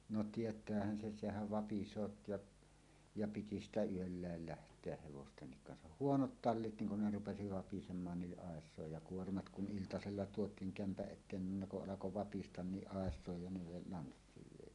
no tietäähän sen sehän vapisee ja ja piti sitä yöllä lähteä hevostenkin kanssa huonot tallit niin kun ne rupesi vapisemaan niin aisojen ja kuormat kun iltasella tuotiin kämpän eteen niin ne kun alkoi vapista niin aisojen ja ne lanssiin vei